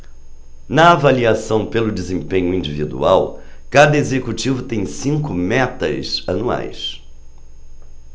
na avaliação pelo desempenho individual cada executivo tem cinco metas anuais